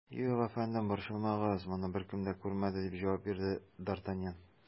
Юк, әфәндем, борчылмагыз, моны беркем дә күрмәде, - дип җавап бирде д ’ Артаньян.